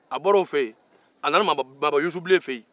a bɔra o fɛ yen a nana maaba yusubilen fɛ yen